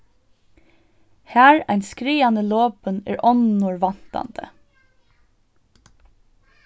har ein skriðan er lopin er onnur væntandi